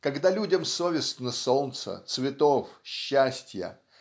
Когда людям совестно солнца цветов счастья